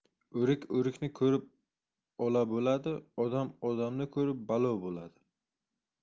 o'rik o'rikni ko'rib ola bo'ladi odam odamni ko'rib balo bo'ladi